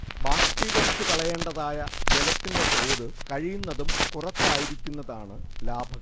ബാഷ്പീകരിച്ചുകളയേണ്ടതായ ജലത്തിന്റെ തോത് കഴിയുന്നതും കുറച്ചായിരിക്കുന്നതാണ് ലാഭം